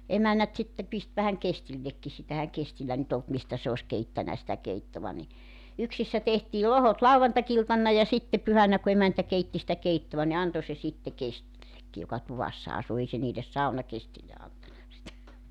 emännät sitten pisti vähän kestillekin sitä eihän kestillä nyt ollut mistä se olisi keittänyt sitä keittoa niin yksissä tehtiin lohkot lauantai-iltana ja sitten pyhänä kun emäntä keitti sitä keittoa niin antoi se sitten kestillekin joka tuvassa asui ei se niille saunakesteille antanut sitä